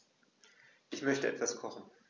Ich möchte etwas kochen.